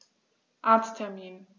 Arzttermin